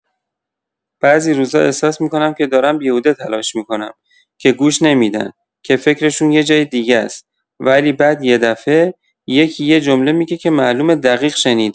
بعضی روزا احساس می‌کنم که دارم بیهوده تلاش می‌کنم، که گوش نمی‌دن، که فکرشون یه جای دیگه‌س، ولی بعد یه دفعه، یکی یه جمله می‌گه که معلومه دقیق شنیده.